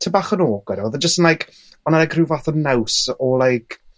ty' bach yn awkward odd e jys yn like o' 'na like ryw fath o naws o like